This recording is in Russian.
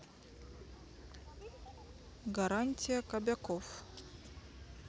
гарантия кобяков